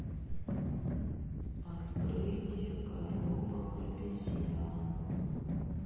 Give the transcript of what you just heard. открытие коробок обезьян